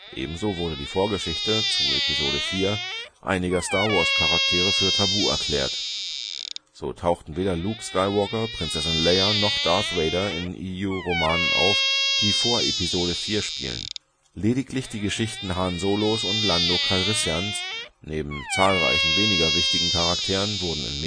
Ebenso wurde die Vorgeschichte (zu Episode IV) einiger Star Wars Charaktere für tabu erklärt. So tauchten weder Luke Skywalker, Prinzessin Leia noch Darth Vader in EU-Romanen auf, die vor Episode IV spielen. Lediglich die Geschichten Han Solos und Lando Calrissians (neben zahlreichen weniger wichtigen Charakteren) wurden